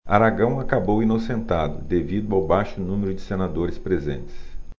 aragão acabou inocentado devido ao baixo número de senadores presentes